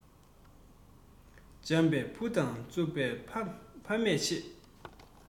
འཇམ པ བུ དང རྩུབ པ ཨ མས བྱེད